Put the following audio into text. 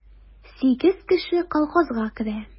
Сигез кеше колхозга керә.